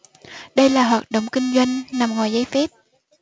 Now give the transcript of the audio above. đây là hoạt động kinh doanh nằm ngoài giấy phép